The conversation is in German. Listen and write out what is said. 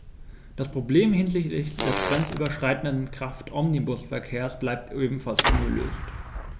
Das Problem hinsichtlich des grenzüberschreitenden Kraftomnibusverkehrs bleibt ebenfalls ungelöst.